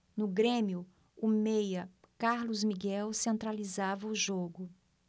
no grêmio o meia carlos miguel centralizava o jogo